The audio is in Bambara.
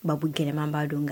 Ba gɛlɛnman b'a don kan